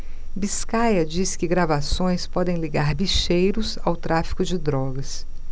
biscaia diz que gravações podem ligar bicheiros ao tráfico de drogas